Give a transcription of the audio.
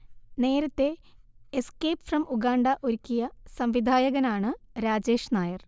നേരത്തെ 'escape from Uganda' ഒരുക്കിയ സംവിധായകനാണ് രാജേഷ്നായർ